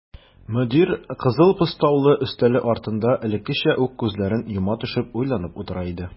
Мөдир кызыл постаулы өстәле артында элеккечә үк күзләрен йома төшеп уйланып утыра иде.